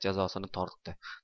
jazosini tortdi